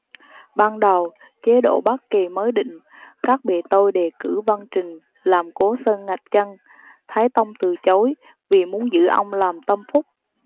ban đầu chế độ bát kỳ mới định các bề tôi đề cử văn trình làm cố sơn ngạch chân thái tông từ chối vì muốn giữ ông làm tâm phúc